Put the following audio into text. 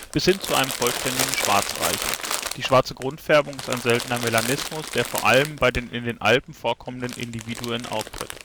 bis hin zu einem vollständigen Schwarz reichen. Die schwarze Grundfärbung ist ein seltener Melanismus, der vor allem bei in den Alpen vorkommenden Individuen auftritt